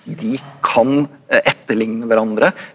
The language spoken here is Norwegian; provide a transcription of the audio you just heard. de kan etterligne hverandre.